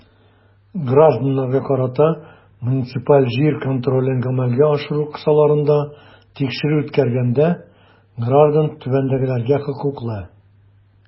Гражданнарга карата муниципаль җир контролен гамәлгә ашыру кысаларында тикшерү үткәргәндә граждан түбәндәгеләргә хокуклы.